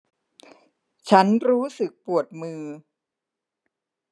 ฉันรู้สึกปวดมือ